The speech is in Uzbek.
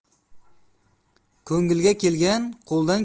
ko'ngilga kelgan qo'ldan